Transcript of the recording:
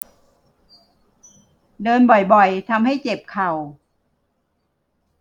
เดินบ่อยบ่อยทำให้เจ็บเข่า